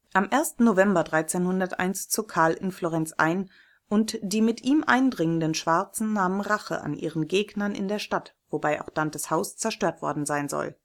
Am 1. November 1301 zog Karl in Florenz ein, und die mit ihm eindringenden Schwarzen nahmen Rache an ihren Gegnern in der Stadt, wobei auch Dantes Haus zerstört worden sein soll